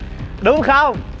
đúng không